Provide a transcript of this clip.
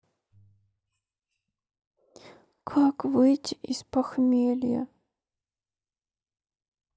как выйти из похмелья